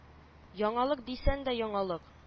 Яңалык дисәң дә яңалык